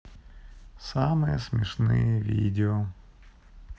самые смешные видео